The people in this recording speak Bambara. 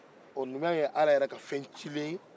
ɔɔ numuya ye ala yɛrɛ ka fɛn cilen ye